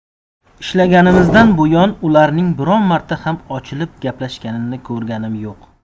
ishlaganimizdan buyon ularning biron marta ham ochilib gaplashganini ko'rganim yo'q